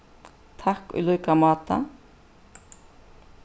takk í líka máta